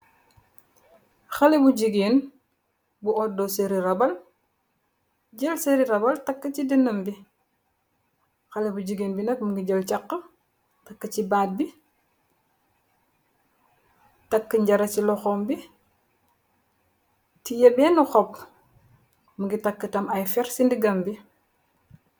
Xale bu jigeen bu ordo seri rabal jël sari rabal takk ci dinam bi. Xale bu jigeen bi nek mu ngi jël caq takk ci baat bi. Takk njara ci loxom bi ti ya benn xopb .Mungi tàkktam ay fer ci ndigam bi.